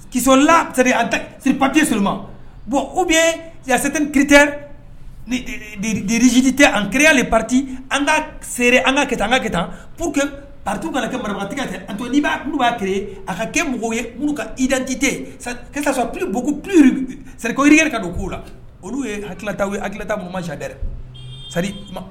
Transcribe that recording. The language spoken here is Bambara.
Kisɔla pate s ma bɔn u bɛ sete kitezjite an kiiriya ni pati an ka an ka ki an ka ki pur partu' kɛ marati fɛ an to n'' b'a ke a ka kɛ mɔgɔw ye muru ka idjite sɔrɔ p p sekoiri yɛrɛ ka don k'u la olu ye hakilikita a hakililta muma ca dɛ dɛ sa